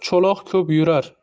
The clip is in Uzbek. cho'loq ko'p yurar